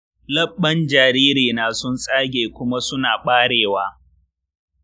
lebban jaririna sun tsage kuma suna barewa.